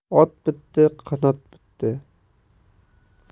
ot bitdi qanot bitdi